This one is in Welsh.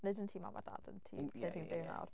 Nid yn tŷ mam a dad, yn tŷ lle ti'n byw nawr.